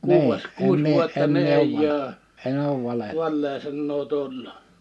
kuudes kuusi vuotta niin ei ole vale sanaa tullut